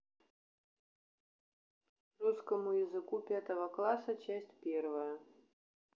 русскому языку пятого класса часть первая